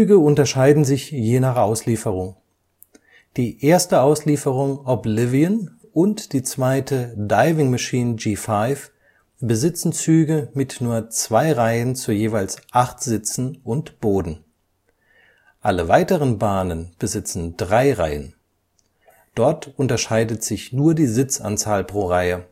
unterscheiden sich je nach Auslieferung. Die erste Auslieferung Oblivion und die zweite Diving Machine G5 besitzen Züge mit nur zwei Reihen zu jeweils acht Sitzen und Boden. Alle weiteren Bahnen besitzen drei Reihen. Dort unterscheidet sich nur die Sitzanzahl pro Reihe